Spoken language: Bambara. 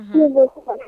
Un